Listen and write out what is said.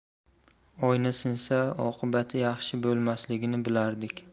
oyna sinsa oqibati yaxshi bo'lmasligini bilardik